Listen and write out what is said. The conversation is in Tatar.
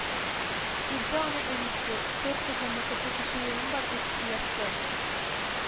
Иртә аны әнисе, тор кызым мәктәпкә кичегүең бар, диеп уятты